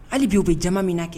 Hali bi' u bɛ jama min kɛ